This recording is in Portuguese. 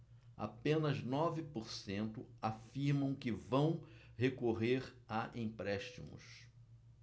apenas nove por cento afirmam que vão recorrer a empréstimos